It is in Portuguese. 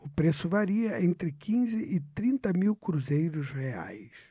o preço varia entre quinze e trinta mil cruzeiros reais